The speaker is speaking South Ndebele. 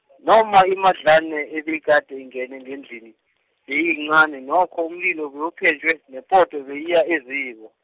noma imadlana ebekade ingena ngendlini, beyiyincani nokho umlilo bewuphenjwa nepoto beyiya eziko.